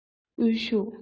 དངོས ཤུགས